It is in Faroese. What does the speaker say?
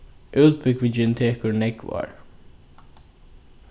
útbúgvingin tekur nógv ár